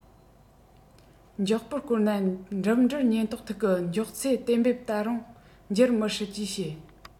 མགྱོགས པོར བསྐོར ན འགྲིམ འགྲུལ ཉེན རྟོག ཐིག གི མགྱོགས ཚད གཏན འབེབ རུ འགྱུར མི སྲིད ཅེས བཤད